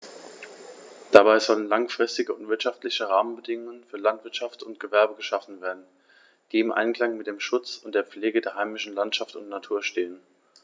Dabei sollen langfristige und wirtschaftliche Rahmenbedingungen für Landwirtschaft und Gewerbe geschaffen werden, die im Einklang mit dem Schutz und der Pflege der heimischen Landschaft und Natur stehen.